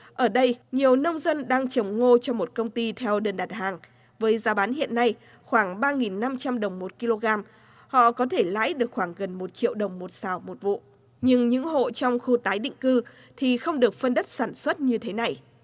ở đây nhiều nông dân đang trồng ngô cho một công ty theo đơn đặt hàng với giá bán hiện nay khoảng ba nghìn năm trăm đồng một ki lô gam họ có thể lấy được khoảng gần một triệu đồng một sào một vụ nhưng những hộ trong khu tái định cư thì không được phân đất sản xuất như thế này